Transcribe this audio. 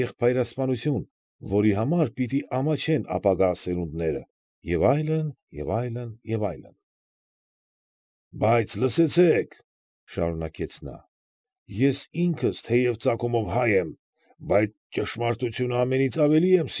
Եղբայրասպանություն, որի համար պիտի ամաչեն ապագա սերունդները և այլն, և այլն, և այլն… ֊ Բայց լսեցե՛ք,֊ շարունակեց նա,֊ ես ինքս թեև ծագումով հայ եմ, սակայն ճշմարտությունը ամենից ավելի եմ։